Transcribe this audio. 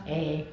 ei